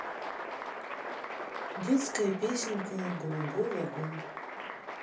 детская песенка голубой вагон